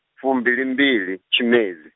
fumbilimbili tshimedzi.